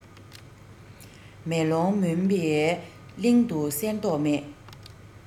མེ ལོང མུན པའི གླིང དུ གསལ མདོག མེད